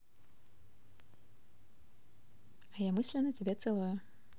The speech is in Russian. а я мысленно тебя целую